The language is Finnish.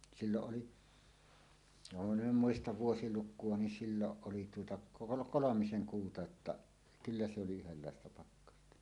silloin oli vaan kun minä en muista vuosilukua niin silloin oli tuota - kolmisen kuuta jotta kyllä se oli yhdenlaista pakkasta